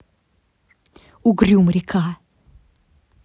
угрюм река